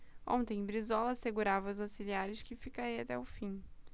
ontem brizola assegurava aos auxiliares que ficaria até o fim